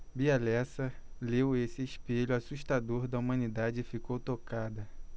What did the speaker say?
bia lessa leu esse espelho assustador da humanidade e ficou tocada